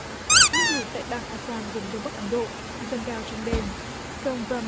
nước lụt tại bang a sam vùng đông bắc ấn độ dâng cao trong đêm sông bờ ra